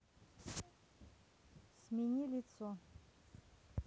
смени лицо